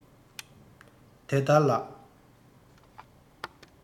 དེ ལྟར ལགས